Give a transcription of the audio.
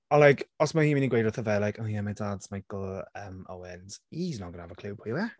O like os mae hi'n mynd i gweud wrtho fe like "oh yeah like my dad's Michael" yym Owens". He's not gonna have a clue pwy e.